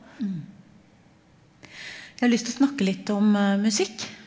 jeg har lyst til å snakke litt om musikk.